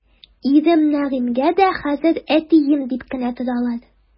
Ирем Нәгыймгә дә хәзер әтием дип кенә торалар.